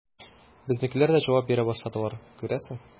Безнекеләр дә җавап бирә башладылар, күрәсең.